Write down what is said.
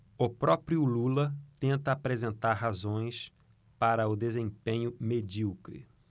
o próprio lula tenta apresentar razões para o desempenho medíocre